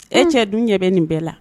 E cɛ dun ɲɛ bɛ nin bɛɛ la